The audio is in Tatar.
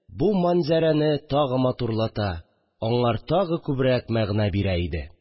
Бу мәнзарәне тагы матурлата, аңар тагы күбрәк мәгънә бирә иде